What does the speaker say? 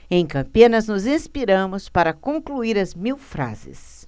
em campinas nos inspiramos para concluir as mil frases